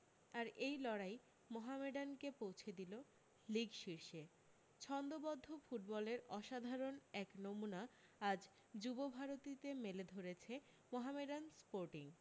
আর এই লড়াই মোহামেডানকে পৌঁছে দিল লিগ শীর্ষে ছন্দবদ্ধ ফুটবলের অসাধারণ এক নমুনা আজ যুবভারতীতে মেলে ধরেছে মোহামেডান স্পোর্টিং